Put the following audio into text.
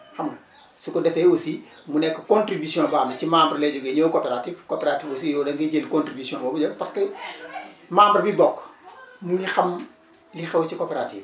xam nga su ko defee aussi mu nekk contribution boo xam ne ci membre yi lay jógee ñëw coopérative coopérative aussi yow da ngay jël contribution boobu yow parce que membre bi bokk mu ngi xam li xew ci coopérative